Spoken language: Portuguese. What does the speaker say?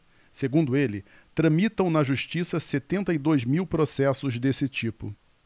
segundo ele tramitam na justiça setenta e dois mil processos desse tipo